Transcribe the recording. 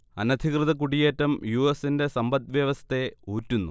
അനധികൃത കുടിയേറ്റം യു. എസിന്റെ സമ്പദ് വ്യവസ്ഥയെ ഊറ്റുന്നു